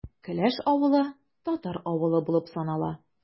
Келәш авылы – татар авылы булып санала.